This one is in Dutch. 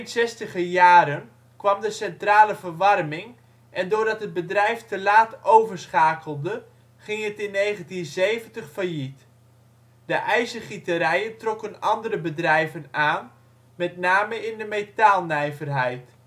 zestigerjaren kwam de centrale verwarming en doordat het bedrijf te laat overschakelde ging het in 1970 failliet. De ijzergieterijen trokken andere bedrijven aan, met name in de metaalnijverheid